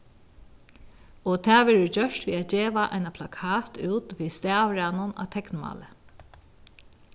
og tað verður gjørt við at geva eina plakat út við stavraðnum á teknmáli